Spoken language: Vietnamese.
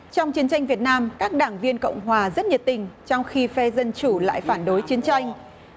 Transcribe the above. trong chiến tranh việt nam các đảng viên cộng hòa rất nhiệt tình trong khi phe dân chủ lại phản đối chiến tranh